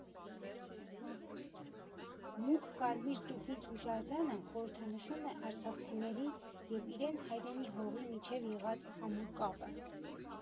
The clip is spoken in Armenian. Մուգ կարմիր տուֆից հուշարձանը խորհրդանշում է արցախցիների և իրենց հայրենի հողի միջև եղած ամուր կապը։